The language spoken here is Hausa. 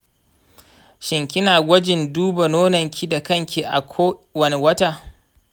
shin kina gwajin duba nononki da kanki a ko wani wata?